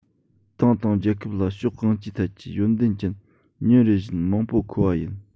ཏང དང རྒྱལ ཁབ ལ ཕྱོགས གང ཅིའི ཐད ཀྱི ཡོན ཏན ཅན ཉིན རེ བཞིན མང པོ མཁོ བ ཡིན